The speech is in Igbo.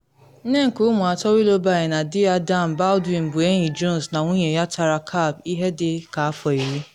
Nne nke ụmụ atọ Willoughby na dị ya Dan Baldwin bụ enyi Jones na nwunye ya Tara Capp ihe dị ka afọ iri.